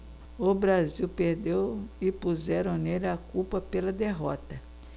o brasil perdeu e puseram nele a culpa pela derrota